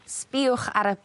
Sbïwch ar y